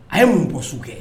A ye mun bɔ sokɛ kɛ